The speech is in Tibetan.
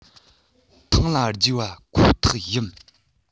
ཐང ལ བསྒྱེལ བ ཁོ ཐག ཡིན